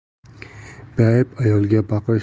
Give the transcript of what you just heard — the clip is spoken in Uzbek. beayb ayolga baqirishning noo'rinligini